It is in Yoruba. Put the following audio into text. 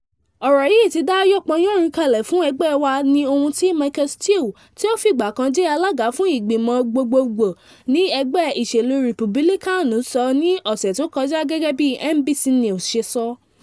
“Ọ̀rọ̀ yìí ti dá yánpọyánrin kalẹ̀ fún ẹgbẹ́ wa” ni ohun tí Michael Steele tí ó fìgbà kan jẹ́ alága fún ìgbìmọ̀ gbogbogbò ní ẹgbẹ́ ìṣèlú Rìpúbílíkáànì sọ ní ọ̀sẹ̀ tó kọjá gẹ́gẹ́ bí NBC News ṣe sọ.